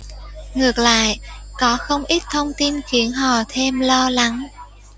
ngược lại có không ít thông tin khiến họ thêm lo lắng